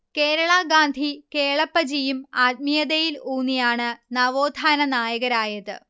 കേരള ഗാന്ധി കേളപ്പജിയും ആത്മീയതയിൽ ഊന്നിയാണ് നവോത്ഥാന നായകരായത്